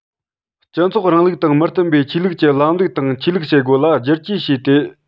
སྤྱི ཚོགས རིང ལུགས དང མི བསྟུན པའི ཆོས ལུགས ཀྱི ལམ ལུགས དང ཆོས ལུགས བྱེད སྒོ ལ སྒྱུར བཅོས བྱས ཏེ